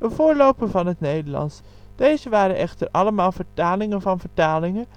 voorloper van het Nederlands; dit waren echter allemaal vertalingen van vertalingen